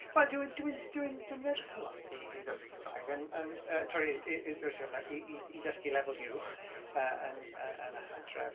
Wel dwi'n dwi'n dwi'n dwi'n edrych ymlaen i dysgu Cymraeg yn yn yy... sori, i i i dysgu lefel uwch yy yn yy yn y Hydref.